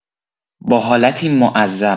با حالتی معذب